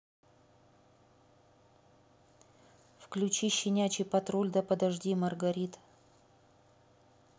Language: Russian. включи щенячий патруль да подожди маргарит